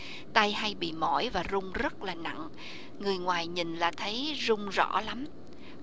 tay hay bị mọi và rung rất là nặng người ngoài nhìn là thấy rung rõ lắm